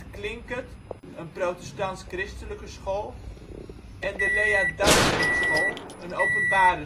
Klinket (protestant-christelijk) en Lea Dasbergschool (openbaar